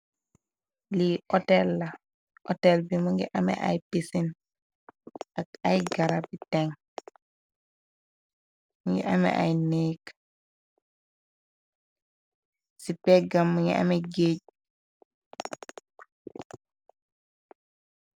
Lii otel la otel bi mu ngi ame ay pisin ak ay garabi teng ngi ame ay néek ci péggam mngi ame géej.